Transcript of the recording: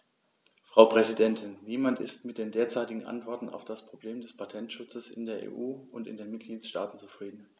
Frau Präsidentin, niemand ist mit den derzeitigen Antworten auf das Problem des Patentschutzes in der EU und in den Mitgliedstaaten zufrieden.